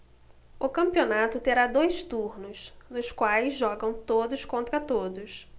o campeonato terá dois turnos nos quais jogam todos contra todos